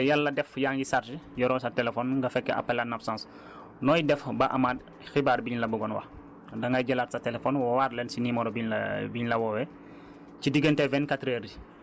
maanaam suñ la wooyee te Yàlla def yaa ngi chargé yoroo sa téléphone nga fekk appel en absence nooy def ba amaat xibaar biñ la bëgoon wax dangay jëlaat sa téléphone woowaat leen si numéro biñ la bi la wooyee